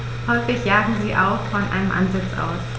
Häufig jagen sie auch von einem Ansitz aus.